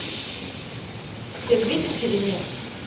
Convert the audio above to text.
ты ответишь или нет